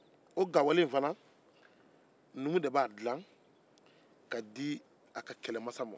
numu de b'o gawale in dila k'a di a ka kɛlɛmasa ma